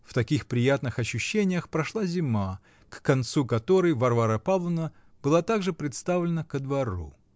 В таких приятных ощущениях прошла зима, к концу которой Варвара Павловна была даже представлена ко двору.